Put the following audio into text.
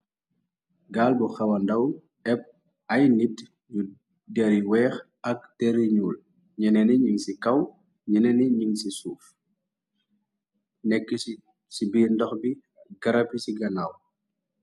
Gaal bu xawandaw épp ay nit ñu deri weex ak teri ñuul ñene ni njing ci kaw ñene ni njing ci suuf nekk ci biir ndox bi garabi ci ganaaw.